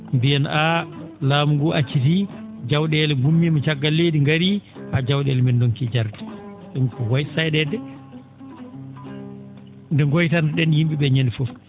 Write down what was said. mbiyen a laamu ngu acciti jaw?ele gummima caggal leydi gaari ha jaw?ele men donki jarde ?um ko woy say?ede nde goytanto ?en yim?e?e ñande foof